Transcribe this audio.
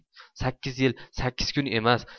sakkiz yil sakkiz kun emas